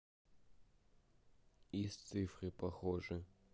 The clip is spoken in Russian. из цифры похожи